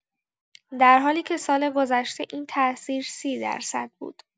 در حالی که سال‌گذشته این تاثیر ۳۰ درصد بود.